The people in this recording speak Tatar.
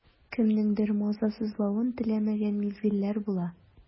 Кемнеңдер мазасызлавын теләмәгән мизгелләр була.